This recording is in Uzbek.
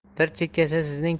bir chekkasi sizning